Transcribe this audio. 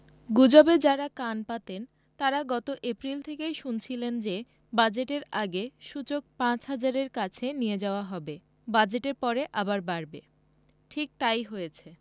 গুজবে যাঁরা কান পাতেন তাঁরা গত এপ্রিল থেকেই শুনছিলেন যে বাজেটের আগে সূচক ৫ হাজারের কাছে নিয়ে যাওয়া হবে বাজেটের পরে আবার বাড়বে ঠিক তা ই হয়েছে